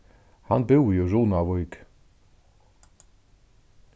hann búði í runavík